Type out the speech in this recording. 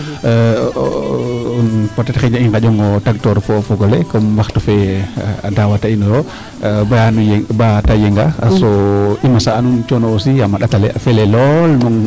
D' accord peut etre i nqaƴong fo o fog ole comme waxtu fee a daawata ino yo bala te yengaa so mosa'an coono aussi yaam a ƭat ale felee lool.